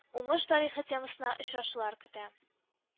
“уңыш тарихы” темасына очрашулар көтә